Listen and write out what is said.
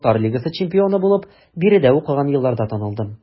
Татар лигасы чемпионы булып биредә укыган елларда танылдым.